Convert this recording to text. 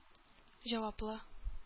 Җаваплы